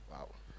waaw